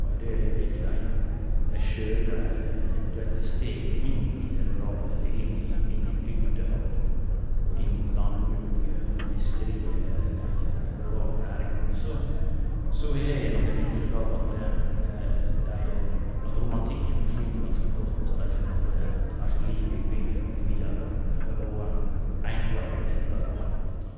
Og i det øyeblikket de de sjøl eventuelt tar steget inn i det rurale eller inn i inn i bygda og og inn mot landbruket eller fiskeriet eller de de rurale næringene, så så har jeg nok et inntrykk av at de at romantikken forsvinner ganske brått, og de finner at kanskje livet i byen var friere og enklere og lettere på alle måter.